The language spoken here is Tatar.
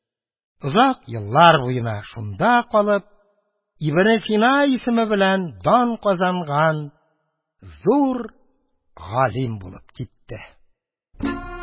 Озак еллар буена шунда калып, Ибне Сина исеме белән дан казанган зур галим булып китте.